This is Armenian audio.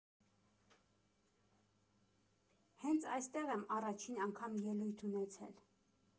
Հենց այնտեղ եմ առաջին անգամ ելույթ ունեցել։